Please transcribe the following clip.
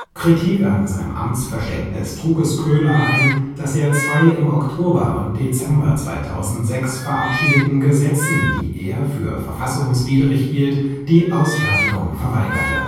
Kritik an seinem Amtsverständnis trug es Köhler ein, dass er zwei im Oktober und Dezember 2006 verabschiedeten Gesetzen, die er für verfassungswidrig hielt, die Ausfertigung verweigerte